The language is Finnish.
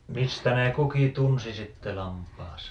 mistä ne kukin tunsi sitten lampaansa